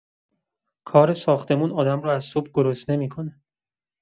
کار ساختمون آدم رو از صبح گرسنه می‌کنه.